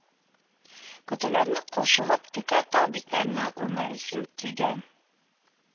Көтүләренә кушылып, текә тау битләренә үрмәлисем килгән